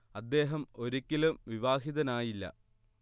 അദ്ദേഹം ഒരിക്കലും വിവാഹിതനായില്ല